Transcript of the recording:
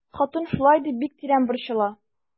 Хатын шулай дип бик тирән борчыла.